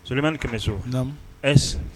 Somɛ ni kɛmɛ so ɛ